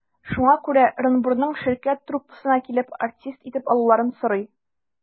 Шуңа күрә Ырынбурның «Ширкәт» труппасына килеп, артист итеп алуларын сорый.